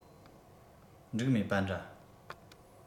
འགྲིག མེད པ འདྲ